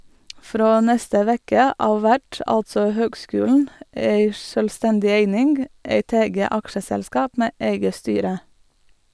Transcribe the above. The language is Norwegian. Frå neste veke av vert altså høgskulen ei sjølvstendig eining, eit eige aksjeselskap med eige styre.